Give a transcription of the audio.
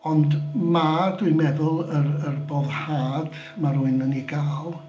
Ond ma' dwi'n meddwl yr yr boddhad ma' rywun yn ei gael...